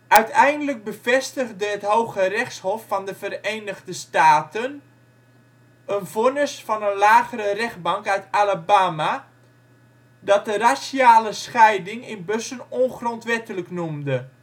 Uiteindelijk bevestigde het Hooggerechtshof van de Verenigde Staten een vonnis van een lagere rechtbank uit Alabama dat de raciale scheiding in bussen ongrondwettelijk noemde